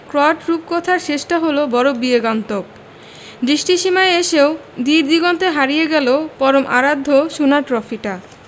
Croat রূপকথার শেষটা হল বড় বিয়োগান্তক দৃষ্টিসীমায় এসেও দিরদিগন্তে হারিয়ে গেল পরম আরাধ্য সোনার ট্রফিটা